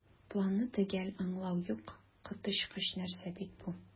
"планны төгәл аңлау юк, коточкыч нәрсә бит бу!"